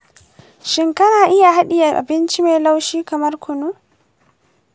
“shin kana iya haɗiye abinci mai laushi kamar kunu?